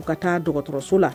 U ka taa dɔgɔtɔrɔso la